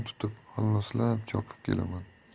tutib halloslab chopib kelaman